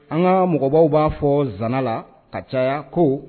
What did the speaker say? An ka mɔgɔbaw b'a fɔ zana la ka caya ko